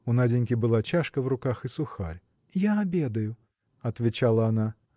У Наденьки была чашка в руках и сухарь. – Я обедаю, – отвечала она.